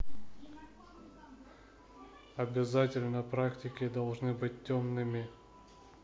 обязательно практики должны быть темными